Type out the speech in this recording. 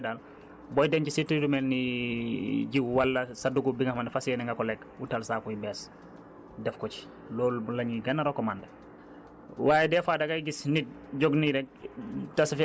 parce que loolu tamit mën na laa indil jafe-jafe lu si li ñu gën a recommander daal booy denc surtout lu mel ni jiwu wala sa dugub bi nga xamante ne fas yéene nga ko lekk utal saako yu bees def ko ci loolu la ñuy gën a recommander